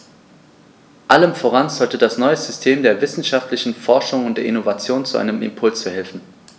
Allem voran sollte das neue System der wissenschaftlichen Forschung und der Innovation zu einem Impuls verhelfen.